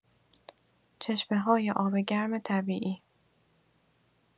چشمه‌های آب‌گرم طبیعی.